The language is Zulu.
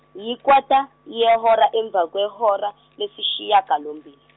yikwata yehora emva kwehora lesishiyagalombili.